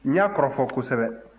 n y'a kɔrɔfɔ kosɛbɛ